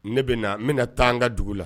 Ne bɛna na n bɛna na taa an ka dugu la